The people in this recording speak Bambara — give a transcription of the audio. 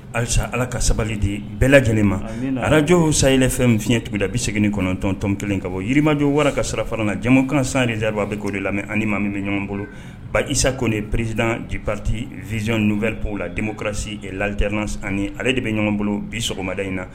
Alisa ala ka sabali di bɛɛ lajɛlen ma arajw sayfɛn fiɲɛɲɛ tugu bi segin kɔnɔntɔntɔntɔ in ka bɔ yirimajɔ wara ka sirara fara na jɛkan san dedi bɛ koo de la ani maa min bɛ ɲɔgɔn bolo ba isak nin perezd jipti vzyon ninnu wɛrɛp la denmusorasi latr ani ale de bɛ ɲɔgɔn bolo bi sɔgɔmada in na